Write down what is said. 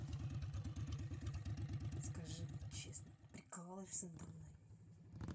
скажи мне честно ты прикалываешься надо мной